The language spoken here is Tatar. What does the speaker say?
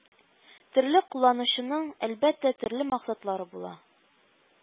Төрле кулланучының, әлбәттә, төрле максатлары була